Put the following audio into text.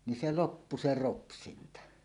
niin se loppui se ropsinta